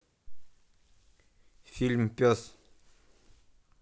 фильм пес